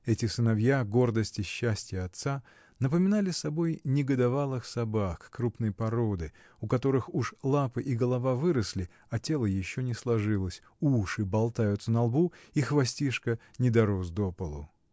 Эти сыновья — гордость и счастье отца — напоминали собой негодовалых собак крупной породы, у которых уж лапы и голова выросли, а тело еще не сложилось, уши болтаются на лбу и хвостишко не дорос до полу.